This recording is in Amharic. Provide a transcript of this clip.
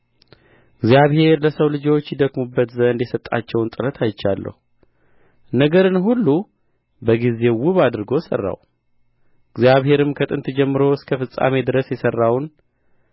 እግዚአብሔር ለሰው ልጆች ይደክሙበት ዘንድ የሰጣቸውን ጥረት አይቻለሁ ነገርን ሁሉ በጊዜው ውብ አድርጎ ሠራው እግዚአብሔርም ከጥንት ጀምሮ እስከ ፍጻሜ ድረስ የሠራውን